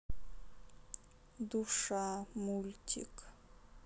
душа мультик